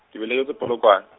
ke belegetšwe Polokwane.